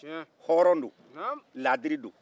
hɔrɔn don laadiri don